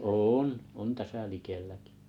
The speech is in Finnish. on on tässä likelläkin